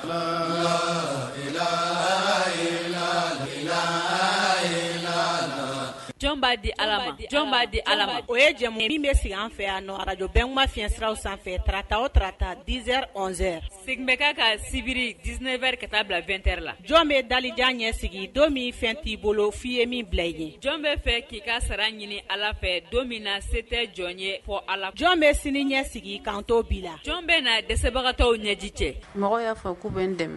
Jɔn'a di di o ye jɛ min bɛ sigi an fɛ yanjɔ bɛɛma fiɲɛsiraw sanfɛ tata o tata dz sen bɛ ka ka sibiri dsinɛ wɛrɛri ka taa bila2te la jɔn bɛ dalijan ɲɛ sigi don min fɛn t'i bolo f'i ye min bila i ye jɔn bɛ fɛ k'i ka sara ɲini ala fɛ don min na se tɛ jɔn ye fɔ a la jɔn bɛ sini ɲɛ sigi kan bi la jɔn bɛ na dɛsɛbagatɔw ɲɛji cɛ mɔgɔ y'a bɛ dɛmɛ